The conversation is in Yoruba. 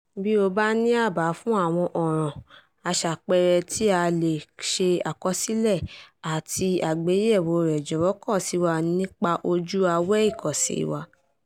Bí o bá ní àbá fún àwọn ọ̀ràn aṣàpẹẹrẹ tí a lè ṣe àkọsílẹ̀ àti àgbéyẹ̀wò rẹ̀ jọ̀wọ́ kàn sí wa nípasẹ̀ ojú-ewé ìkànsí wa.